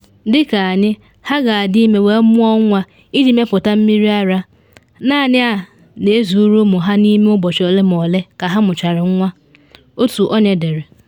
Dị ka anyị ha ga-adị ime wee mụọ nwa iji mepụta mmiri ara, naanị na a na ezuru ụmụ ha n’ime ụbọchị ole ma ole ka ha mụchara nwa,” otu onye dere.